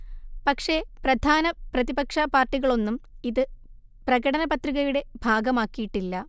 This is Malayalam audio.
പക്ഷേ പ്രധാന പ്രതിപക്ഷ പാർട്ടികളൊന്നും ഇത് പ്രകടനപത്രികയുടെ ഭാഗമാക്കിയിട്ടില്ല